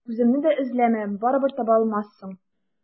Үземне дә эзләмә, барыбер таба алмассың.